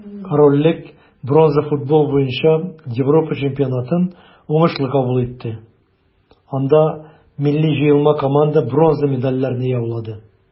Корольлек бронза футбол буенча Европа чемпионатын уңышлы кабул итте, анда милли җыелма команда бронза медальләрне яулады.